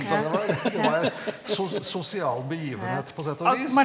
sånn det var det var sosial begivenhet på sett og vis.